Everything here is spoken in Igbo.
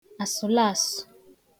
asụlasụ